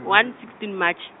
one sixteen March.